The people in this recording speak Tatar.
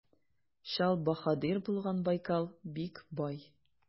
Чал баһадир булган Байкал бик бай.